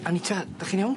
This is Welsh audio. Anita, dach chi'n iawn?